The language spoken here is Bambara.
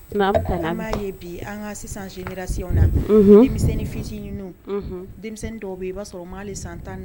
Bi an ka sisan si na ni denmisɛnnin ni fit ɲini denmisɛnnin dɔ bɛ i b'a sɔrɔ ma san tan